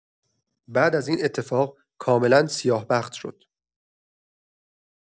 بعد از این اتفاق، کاملا سیاه‌بخت شد.